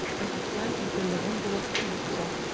Официант, ютәлләгән булып, кулын суза.